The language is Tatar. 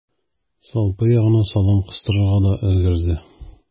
Салпы ягына салам кыстырырга да өлгерде.